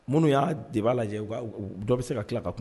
Minnu y'a de b'a lajɛ dɔ bɛ se ka tila ka kuma